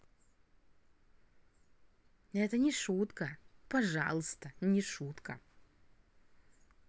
это не шутка пожалуйста не шутка